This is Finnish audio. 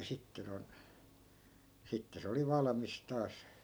ja sitten noin sitten se oli valmis taas